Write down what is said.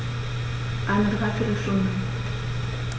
Eine dreiviertel Stunde